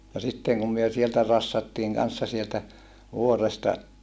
ja sitten kun me sieltä rassattiin kanssa sieltä vuoresta